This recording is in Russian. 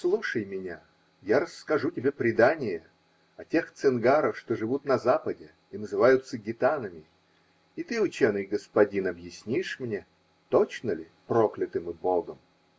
Слушай меня, я расскажу тебе предание о тех цингаро, что живут на западе и называются гитанами, и ты, ученый господин, объяснишь мне, точно ли прокляты мы Богом?.